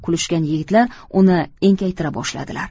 kulishgan yigitlar uni enkaytira boshladilar